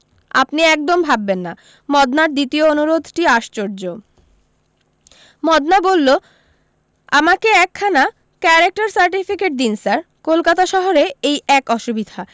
আপনি একদম ভাববেন না মদনার দ্বিতীয় অনুরোধটি আশ্চর্য্য মদনা বললো আমাকে একখানা ক্যারেকটার সার্টিফিকেট দিন স্যার কলকাতা শহরে এই এক অসুবিধা